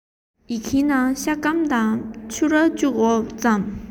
ཡི གེའི ནང ཕྱུར ར དང ཤ སྐམ འོ ཕྱེ